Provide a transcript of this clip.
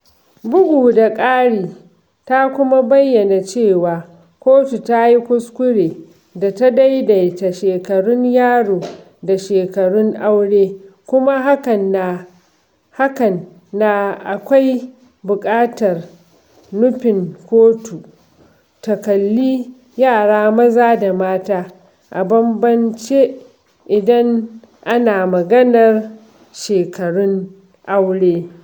Bugu da ƙari, ta kuma bayyana cewa kotu ta yi kuskure da ta "daidaita shekarun yaro da shekarun aure" kuma hakan na akwai buƙatar nufin kotu ta kalli yara maza da mata a bambamce idan ana maganar shekarun aure.